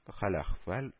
Хәл-әхвәл